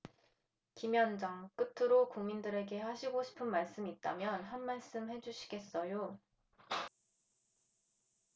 김현정 끝으로 국민들에게 하시고 싶은 말씀 있다면 한 말씀 해주시겠어요